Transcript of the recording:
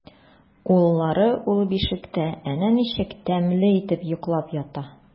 Уллары ул бишектә әнә ничек тәмле итеп йоклап ята!